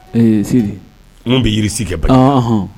Ee Sidi mun bi yiri si kɛ bangalan na